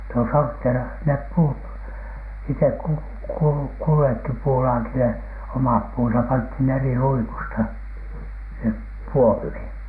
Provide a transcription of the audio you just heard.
no sortteerasi ne puut itse -- kullekin puulaakille omat puunsa pantiin eri luikusta sinne puomiin